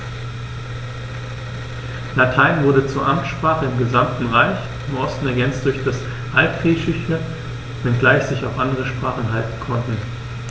Latein wurde zur Amtssprache im gesamten Reich (im Osten ergänzt durch das Altgriechische), wenngleich sich auch andere Sprachen halten konnten.